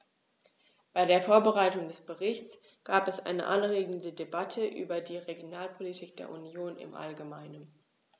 Bei der Vorbereitung des Berichts gab es eine anregende Debatte über die Regionalpolitik der Union im allgemeinen.